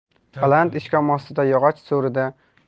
baland ishkom ostidagi yog'och